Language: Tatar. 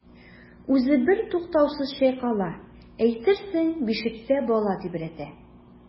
Үзе бертуктаусыз чайкала, әйтерсең бишектә бала тибрәтә.